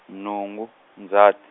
nhungu, Ndzhati.